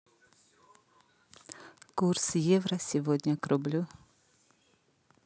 курс евро сегодня к рублю